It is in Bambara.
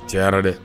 Cɛyara dɛ